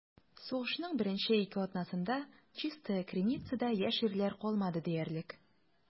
Сугышның беренче ике атнасында Чистая Криницада яшь ирләр калмады диярлек.